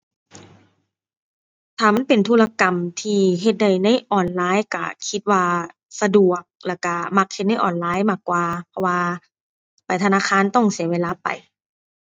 ถ้ามันเป็นธุรกรรมที่เฮ็ดได้ในออนไลน์ก็คิดว่าสะดวก แล้วก็มักเฮ็ดในออนไลน์มากกว่า เพราะว่าไปธนาคารต้องเสียเวลาไป